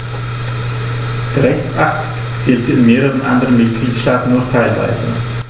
Der Rechtsakt gilt in mehreren anderen Mitgliedstaaten nur teilweise.